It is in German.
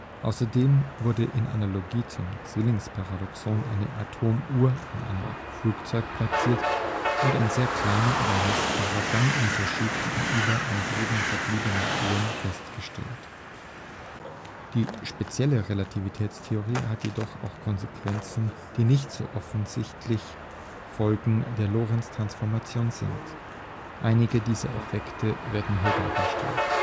Außerdem wurde in Analogie zum Zwillingsparadoxon eine Atomuhr in einem Flugzeug platziert und ein sehr kleiner, aber messbarer Gangunterschied gegenüber am Boden verbliebenen Uhren festgestellt. Die spezielle Relativitätstheorie hat jedoch auch Konsequenzen, die nicht so offensichtlich Folgen der Lorentztransformationen sind. Einige dieser Effekte werden hier dargestellt